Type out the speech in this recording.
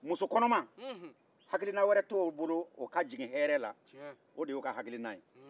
musokɔnɔma hakilina wɛrɛ t'o bolo o ka sigin hɛɛrɛ la o de y'o ka hakilina ye